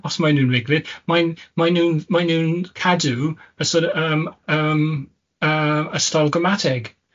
Os maen nhw'n riglyd, mae'n mae'n nhw'n mae'n nhw'n cadw y sor' of yym yym yy y steil gramatig